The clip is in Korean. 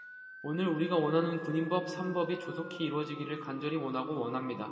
오늘 우리가 원하는 군인법 삼 법이 조속히 이뤄지기를 간절히 원하고 원합니다